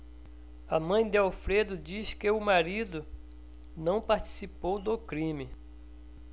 a mãe de alfredo diz que o marido não participou do crime